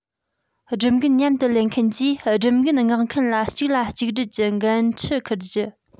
སྒྲུབ འགན མཉམ དུ ལེན མཁན གྱིས སྒྲུབ འགན མངགས མཁན ལ གཅིག ལ གཅིག འབྲེལ གྱི འགན འཁྲི འཁུར རྒྱུ